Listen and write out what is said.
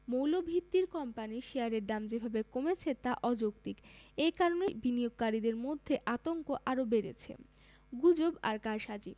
মৌলভিত্তির কোম্পানির শেয়ারের দাম যেভাবে কমেছে তা অযৌক্তিক এ কারণে বিনিয়োগকারীদের মধ্যে আতঙ্ক আরও বেড়েছে গুজব আর কারসাজি